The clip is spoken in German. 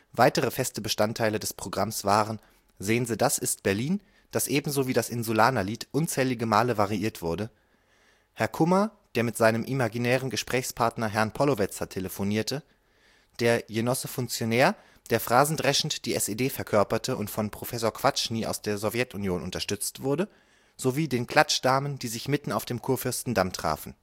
Weitere feste Bestandteile des Programms waren „ Sehn'se das ist Berlin “, das ebenso wie das Insulanerlied unzählige Male variiert wurde, Herr Kummer, der mit seinem imaginären Gesprächspartner Herrn Pollowetzer telefonierte, der Jenosse Funzionär, der phrasendreschend die SED verkörperte und von Professor Quatschnie aus der Sowjetunion unterstützt wurde sowie den Klatschdamen, die sich mitten auf dem Kurfürstendamm trafen